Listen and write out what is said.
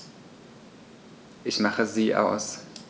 Ich mache sie aus.